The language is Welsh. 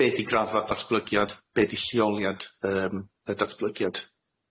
be' di graddfa ddatblygiad be' di lleoliad yym y datblygiad?